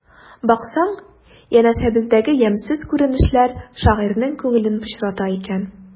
Баксаң, янәшәбездәге ямьсез күренешләр шагыйрьнең күңелен пычрата икән.